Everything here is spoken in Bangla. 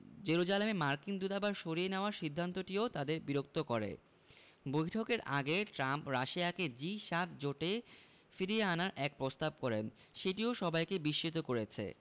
জেরুজালেমে মার্কিন দূতাবাস সরিয়ে নেওয়ার সিদ্ধান্তটিও তাদের বিরক্ত করে বৈঠকের আগে ট্রাম্প রাশিয়াকে জি ৭ জোটে ফিরিয়ে আনার এক প্রস্তাব করেন সেটিও সবাইকে বিস্মিত করেছে